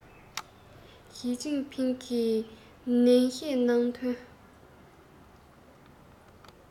ཞིས ཅིན ཕིང གིས ནན བཤད གནང དོན